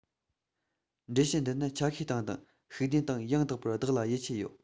འགྲེལ བཤད འདི ནི ཆ ཤས སྟེང དང ཤུགས བསྟན སྟེང ཡང དག པར བདག ལ ཡིད ཆེས ཡོད